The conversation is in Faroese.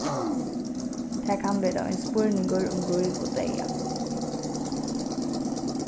tað kann vera ein spurningur um lív og deyða